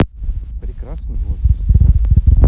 прекрасный возраст